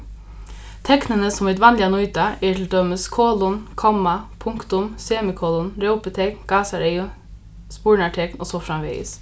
teknini sum vit vanliga nýta eru til dømis kolon komma punktum semikolon rópitekn gásareygu spurnartekn og so framvegis